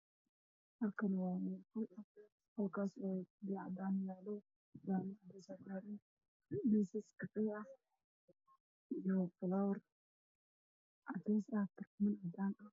War qol waxaa yaal fadhi cadaan miis madow darbiyada waa cadaan kor way cadaan oo sharaxan